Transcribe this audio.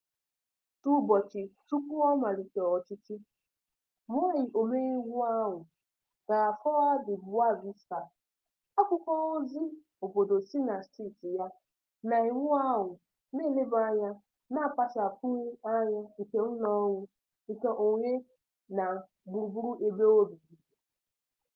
Otu ụbọchị tupu ọ malite ọchịchị, nwaanyị omeiwu ahụ gwara Folha de Boa Vista, akwụkwọozi obodo si na steeti ya, na iwu ahụ na-eleba anya na akpachapụghị anya nke ụlọọrụ nkeonwe na gburugburu ebe obibi: